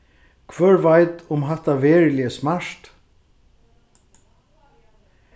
hvør veit um hatta veruliga er smart